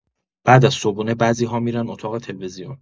بعد از صبحونه، بعضی‌ها می‌رن اتاق تلویزیون.